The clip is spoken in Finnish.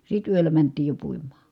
sitten yöllä mentiin jo puimaan